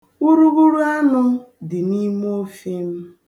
Urughuru anụ dị n'ime ofe m.